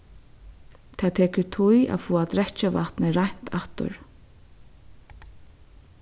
tað tekur tíð at fáa drekkivatnið reint aftur